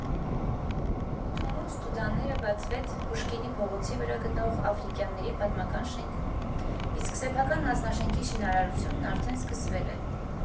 Թումու Ստուդաները բացվեց Պուշկինի փողոցի վրա գտնվող Աֆրիկյանների պատմական շենքում, իսկ սեփական մասնաշենքի շինարարությունն արդեն սկսվել է։